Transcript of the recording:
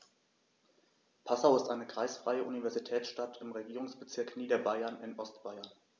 Passau ist eine kreisfreie Universitätsstadt im Regierungsbezirk Niederbayern in Ostbayern.